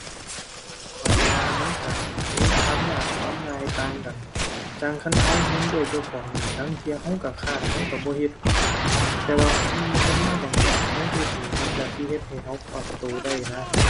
ข้อยว่ามันก็มีความยากความง่ายต่างกัน จั่งคันก็ก็ด้วยเจ้าของนี่ ลางเที่ยก็ก็คร้านก็ก็บ่เฮ็ด แต่ว่าคันมีคนมาบังคับก็เฮ็ดนี่ มันก็สิเฮ็ดให้ก็ปรับก็ได้นะ